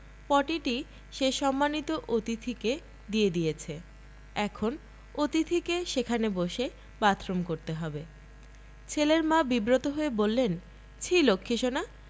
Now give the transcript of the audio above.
পটিটি সে সম্মানিত অতিথিকে দিয়ে দিয়েছে এখন অতিথিকে সেখানে বসে বাথরুম করতে হবে ছেলের মা বিব্রত হয়ে বললেন ছিঃ লক্ষীসোনা